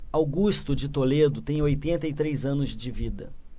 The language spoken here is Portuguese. augusto de toledo tem oitenta e três anos de vida